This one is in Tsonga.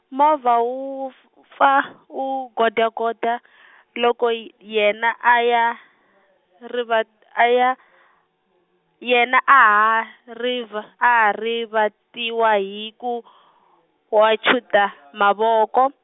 movha wu, pf- -f pfa u godya godya, loko y- yena a ya , rivat- a ya , yena a ha riva- a rivatiwa hi ku wachuta mavoko.